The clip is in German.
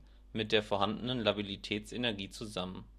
vorhandenen Labilitätsenergie zusammen